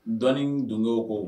Dɔɔni nduŋew ko